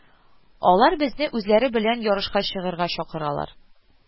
Алар безне үзләре белән ярышка чыгарга чакыралар